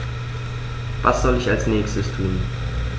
Was soll ich als Nächstes tun?